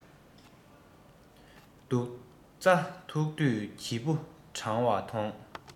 སྡུག རྩ ཐུག དུས སྒྱིད བུ གྲང བ མཐོང